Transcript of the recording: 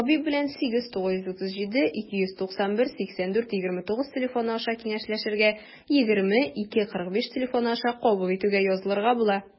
Табиб белән 89372918429 телефоны аша киңәшләшергә, 20-2-45 телефоны аша кабул итүгә язылырга була.